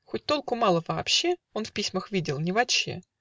Хоть толку мало вообще Он в письмах видел не вотще